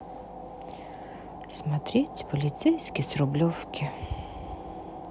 смотреть полицейский с рублевки